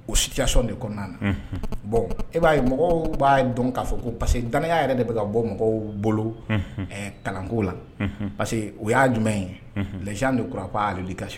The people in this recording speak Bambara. O sitution de kɔnɔna na bon e b'a ye mɔgɔw b'a dɔn k'a fɔ ko parce que danaya yɛrɛ de bɛ ka bɔ mɔgɔw bolo kalanko la parce que o y'a jumɛn ye les gens ne croient pas à l'éducation .